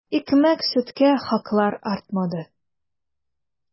Икмәк-сөткә хаклар артмады.